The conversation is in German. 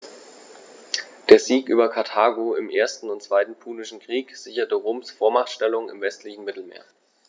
Der Sieg über Karthago im 1. und 2. Punischen Krieg sicherte Roms Vormachtstellung im westlichen Mittelmeer.